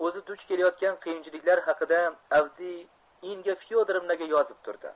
o'zi duch kelayotgan qiyinchiliklar haqida avdiy inga fyodorovnaga yozib turdi